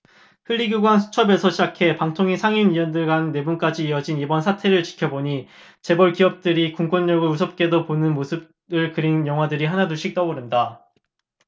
흘리고간 수첩에서 시작해 방통위 상임위원들 간 내분까지 이어진 이번 사태를 지켜보니 재벌 기업들이 공권력도 우습게 보는 모습을 그린 영화들이 하나둘씩 떠오른다